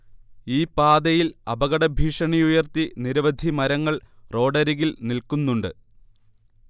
ഈപാതയിൽ അപകടഭീഷണിയുയർത്തി നിരവധി മരങ്ങൾ റോഡരികിൽ നിൽക്കുന്നുണ്ട്